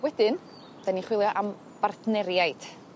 Wedyn, 'dyn ni'n chwilio am bartneriaid.